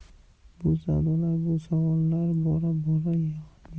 bu savdolar bu savollar